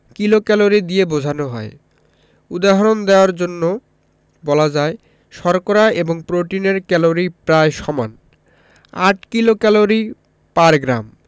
kilocalorie দিয়ে বোঝানো হয় উদাহরণ দেয়ার জন্যে বলা যায় শর্করা এবং প্রোটিনের ক্যালরি প্রায় সমান ৮ কিলোক্যালরি পার গ্রাম